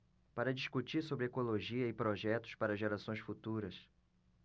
para discutir sobre ecologia e projetos para gerações futuras